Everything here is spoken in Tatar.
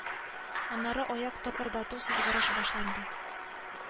Машинист поездны туктатты, шул гына.